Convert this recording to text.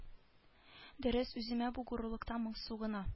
Дөрес үземә бу горурлыктан моңсу гына